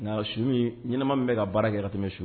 Nka su in ɲɛnama mun bɛ ka baara kɛ ka tɛmɛ su